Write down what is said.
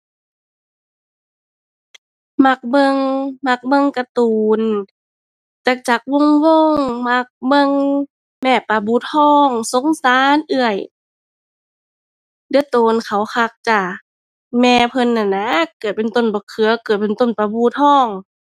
มักเบิ่ง มักเบิ่งการ์ตูน จักรจักรวงศ์วงศ์ มักเบิ่งแม่ปลาบู่ทอง สงสารเอื้อย เหลือโตนเขาคักจ้า แม่เพิ่นนั่นนะ เกิดเป็นต้นบักเขือ เกิดเป็นต้นปลาบู่ทอง